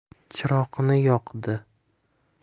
chiroqni yoqdi